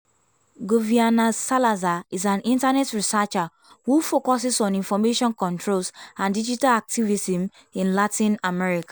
Giovanna Salazar is an internet researcher who focuses on information controls and digital activism in Latin America.